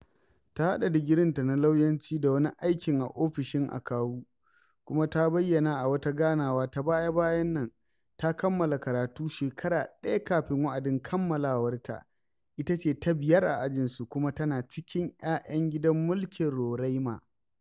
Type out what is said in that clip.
Ta haɗa digirinta na lauyanci da wani aikin a ofishin akawu, kuma ta bayyana a wata ganawa ta baya-bayan nan, ta kammala karatu shekara ɗaya kafin wa'adin kammalawarta, ita ce ta biyar a ajinsu, kuma tana cikin 'ya'yan gidan mulkin Roraima.